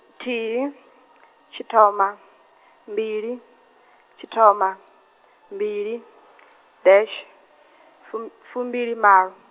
thihi , tshithoma, mbili, tshithoma, mbili , dash , fum- fumbilimalo.